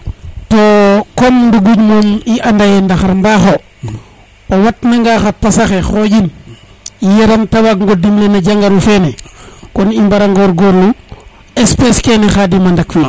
to comme ɗuŋuƴ moom i anda ye ndaxar mbaxo o wat nanga xa pasa xe xoƴin yeran te waag ngo dimle no jangaru fene konn i mbara ngorgorlu espece kene Khadim a ndak wiin